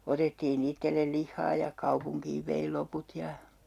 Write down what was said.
otettiin itselle lihaa ja kaupunkiin vei loput ja